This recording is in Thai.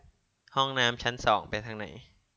ห้องน้ำชั้นสองไปทางไหน